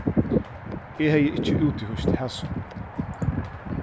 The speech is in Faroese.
eg hevði ikki útihýst hasum